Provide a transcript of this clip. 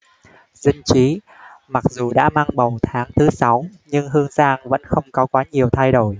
dân trí mặc dù đã mang bầu tháng thứ sáu nhưng hương giang vẫn không có quá nhiều thay đổi